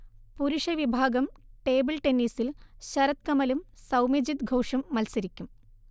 പുരുഷവിഭാഗം ടേബിൾ ടെന്നീസിൽ ശരത് കമലും സൗമ്യജിത് ഘോഷും മൽസരിക്കും